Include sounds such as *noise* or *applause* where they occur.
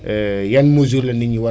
*hesitation* yan mesures la nit ñi war a